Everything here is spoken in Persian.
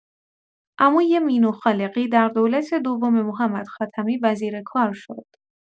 عموی مینو خالقی، در دولت دوم محمد خاتمی وزیر کار شد.